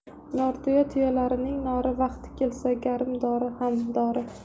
nortuya tuyalarning nori vaqti kelsa garmdori ham dori